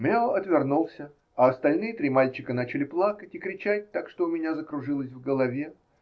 Мео отвернулся, а остальные три мальчика начали плакать и кричать так, что у меня закружилось в голове.